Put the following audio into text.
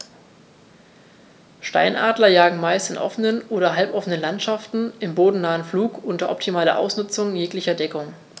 Steinadler jagen meist in offenen oder halboffenen Landschaften im bodennahen Flug unter optimaler Ausnutzung jeglicher Deckung.